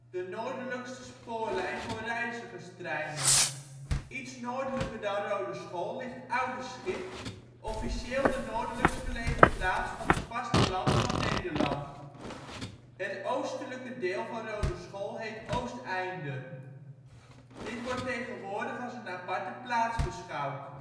de noordelijkste spoorlijn voor reizigerstreinen. Iets noordelijker dan Roodeschool ligt Oudeschip, officieel de noordelijkst gelegen plaats van het vasteland van Nederland. Het oostelijke deel van Roodeschool heet Oosteinde. Dit wordt tegenwoordig als een aparte plaats beschouwd